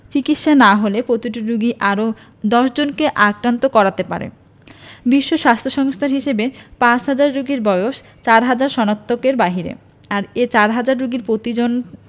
চিকিৎসা না হলে প্রতিটি রোগী আরও ১০ জনকে আক্রান্ত করাতে পারে বিশ্ব স্বাস্থ্য সংস্থার হিসেবে পাঁচহাজার রোগীর মধ্যে চারহাজার শনাক্তের বাইরে আর এ চারহাজার রোগীর প্রতিজন